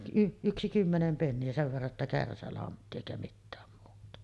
- yksi kymmenen penniä sen verran jotta kärsälantti eikä mitään muuta